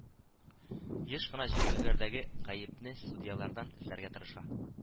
Еш кына җиңелүләрдәге гаепне судьялардан эзләргә тырыша